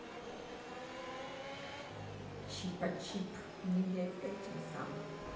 chipachip не верь этим сам